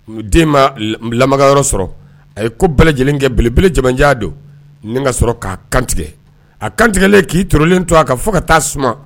N den ma bilayɔrɔ sɔrɔ a ye ko bɛɛ lajɛlen kɛ belebelejaja don ka sɔrɔ k'a kantigɛ a kantigɛ k'i tlen to a ka fɔ ka taa suma